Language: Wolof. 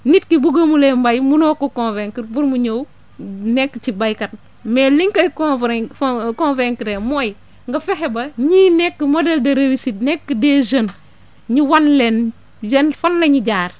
nit ki bu gëmulee mbay munoo ko convaincre pour mu ñëw nekk ci béykat mais li nga koy convaincre mooy nga fexe ba ñii nekk modèle de réussite nekk des jeunes ñu wan leen yan fan la ñu jaar